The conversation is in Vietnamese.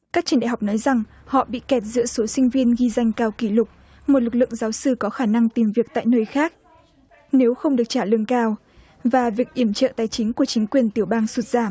các trường đại học nói rằng họ bị kẹt giữa số sinh viên ghi danh cao kỷ lục một lực lượng giáo sư có khả năng tìm việc tại nơi khác nếu không được trả lương cao và việc yểm trợ tài chính của chính quyền tiểu bang sụt giảm